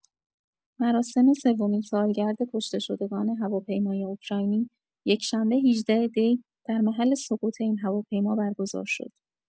مراسم سومین سالگرد کشته‌شدگان هواپیمای اوکراینی، یکشنبه ۱۸ دی در محل سقوط این هواپیما برگزار شد.